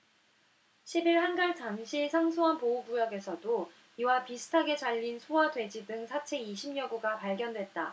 십 일 한강 잠실 상수원 보호구역에서도 이와 비슷하게 잘린 소와 돼지 등 사체 이십 여 구가 발견됐다